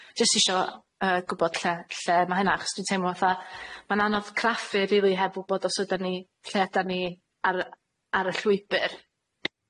Jyst isio yy gwbod lle lle ma' hynna, achos dwi'n teimlo 'tha ma'n anodd craffu rili heb wbod os ydan ni- lle ydan ni ar y ar y llwybyr.